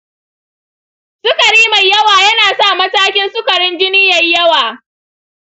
sukari mai yawa yanasa sa matakin sukarin jini yayi yawa.